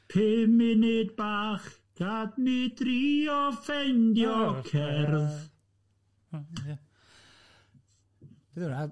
Pum munud bach, gad ni drio ffeindio cerdd.